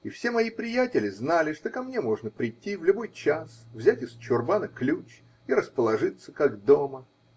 И все мои приятели знали, что ко мне можно прийти в любой час, взять из чурбана ключ и расположиться, как дома.